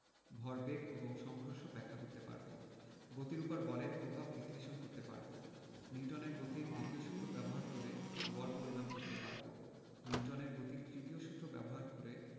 ভরবেগ এবং সংঘর্ষ ব্যাখ্যা করতে পারব গতির উপর বলের প্রভাব বিশ্লেষণ করতে পারব নিউটনের গতির দ্বিতীয় সূত্র ব্যবহার করে বল পরিমাপ করতে পারব নিউটনের গতির তৃতীয় সূত্র ব্যবহার করে